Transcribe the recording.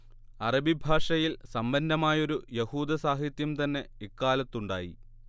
അറബി ഭാഷയിൽ സമ്പന്നമായൊരു യഹൂദസാഹിത്യം തന്നെ ഇക്കാലത്തുണ്ടായി